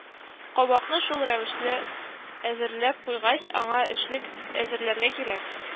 Кабакны шул рәвешле әзерләп куйгач, аңа эчлек әзерләргә кирәк